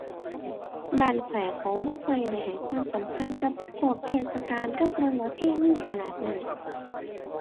บ้านข้อยเขาบ่ค่อยได้ให้ความสำคัญกับพวกเทศกาลกับเรื่องประเพณีขนาดนั้น